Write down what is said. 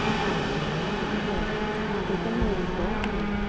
à con mình nó về đấy thì tôi nhìn xuống thì